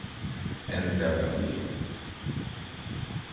endiliga var hon liðug